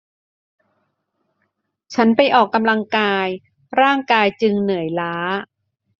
ฉันไปออกกำลังกายร่างกายจึงเหนื่อยล้า